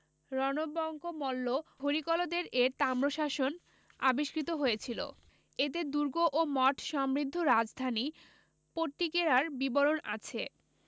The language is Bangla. রণবঙ্কমল্ল হরিকলদের এর তাম্রশাসন আবিষ্কৃত হয়েছিল এতে দুর্গ ও মঠ সমৃদ্ধ রাজধানী পট্টিকেরার বিবরণ আছে